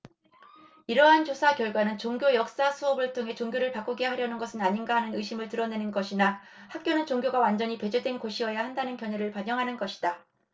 이러한 조사 결과는 종교 역사 수업을 통해 종교를 바꾸게 하려는 것은 아닌가 하는 의심을 드러내는 것이거나 학교는 종교가 완전히 배제된 곳이어야 한다는 견해를 반영하는 것이다